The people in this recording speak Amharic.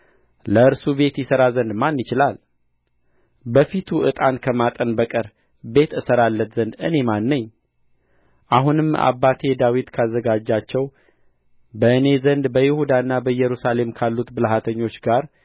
ለእርሱ ቤት ይሠራ ዘንድ ማን ይችላል በፊቱ ዕጣን ከማጠን በቀር ቤት እሠራለት ዘንድ እኔ ማን ነኝ አሁንም አባቴ ዳዊት ካዘጋጃቸው በእኔ ዘንድ በይሁዳና በኢየሩሳሌም ካሉት ብልሃተኞች ጋር